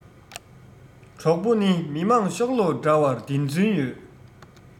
གྲོགས པོ ནི མི དམངས ཤོག ལོར འདྲ བར བདེན རྫུན ཡོད